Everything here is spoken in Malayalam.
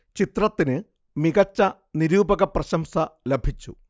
ചിത്രത്തിന് മികച്ച നിരൂപക പ്രശംസ ലഭിച്ചു